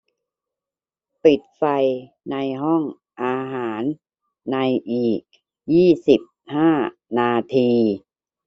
ปิดไฟในห้องอาหารในอีกยี่สิบห้านาที